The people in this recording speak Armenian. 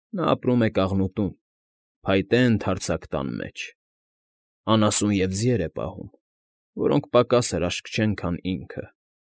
Նա ապրում է կաղնուտում, փայտե ընդարձակ տան մեջ, անասուն և ձիեր է պահում, որոնք պակաս հրաշք չեն, քան ինքը։